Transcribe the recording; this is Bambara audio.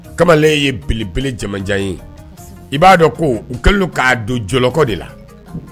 Kamalen ye belebelejajan ye i b'a dɔn ko u kɛlen k'a don jɔlɔkɔ de la